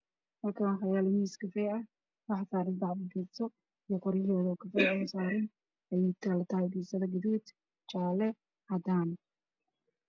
Halkan waa ayaa lagubee waxaa saaran baaca qoryo kufee galmudug cadoon madow